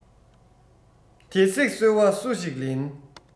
དེ བསྲེགས སོལ བ སུ ཞིག ལེན